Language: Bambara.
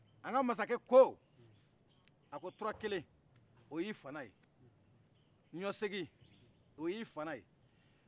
an ka masakɛ ko a tura kelen oy'i fanaye ɲɔ segi oy'i fana